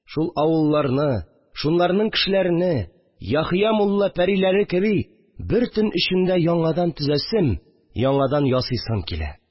Шул авылларны, шунларның кешеләрене, Яхъя мулла пәриләре кеби, бер төн эчендә яңадан төзәсем, яңадан ясыйсым килә